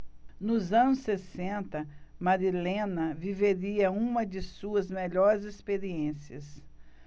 nos anos sessenta marilena viveria uma de suas melhores experiências